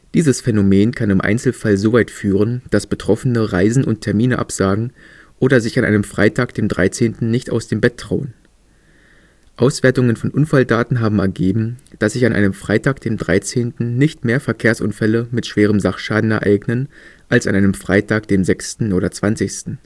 Dieses Phänomen kann im Einzelfall so weit führen, dass Betroffene Reisen und Termine absagen oder sich an einem Freitag, dem Dreizehnten, nicht aus dem Bett trauen. Auswertungen von Unfalldaten haben ergeben, dass sich an einem Freitag dem 13. nicht mehr Verkehrsunfälle mit schwerem Sachschaden ereignen als an einem Freitag dem 6. oder 20.